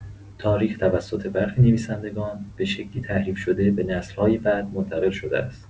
تاریخ توسط برخی نویسندگان به شکلی تحریف‌شده به نسل‌های بعد منتقل شده است.